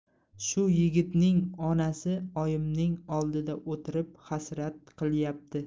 shu yigitning onasi oyimning oldida o'tirib hasrat qilyapti